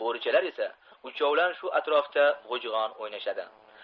bo'richalar esa uchovlon shu atrofda g'ujg'on o'ynashadi